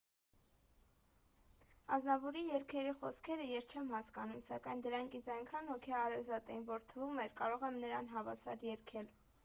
Ազնավուրի երգերի խոսքերը ես չեմ հասկանում, սակայն դրանք ինձ այնքան հոգեհարազատ էին, որ թվում էր՝ կարող եմ նրան հավասար երգել։